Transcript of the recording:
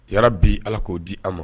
' bi ala k'o di a ma